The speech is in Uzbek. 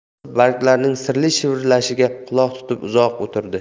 qiz barglarning sirli shivirlashiga quloq tutib uzoq o'tirdi